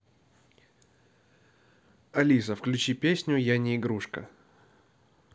алиса включи песню я не игрушка